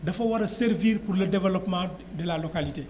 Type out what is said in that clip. dafa war a servir pour le développement de la localité